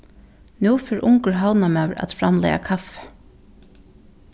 nú fer ungur havnarmaður at framleiða kaffi